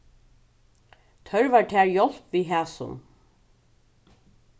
tørvar tær hjálp við hasum